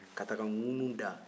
ka taa ŋunun da